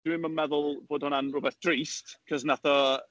Dwi'm yn meddwl bod hwnna'n rywbeth drist, cos wnaeth o...